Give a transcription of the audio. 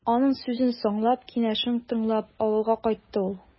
Аның сүзен санлап, киңәшен тыңлап, авылга кайтты ул.